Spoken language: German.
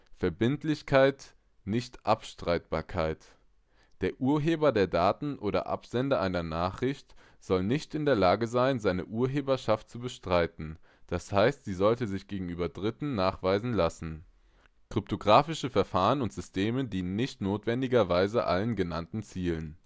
Verbindlichkeit/Nichtabstreitbarkeit: Der Urheber der Daten oder Absender einer Nachricht soll nicht in der Lage sein, seine Urheberschaft zu bestreiten, d. h. sie sollte sich gegenüber Dritten nachweisen lassen. Kryptographische Verfahren und Systeme dienen nicht notwendigerweise allen genannten Zielen